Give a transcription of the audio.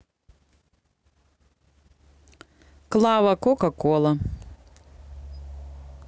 клава кока кола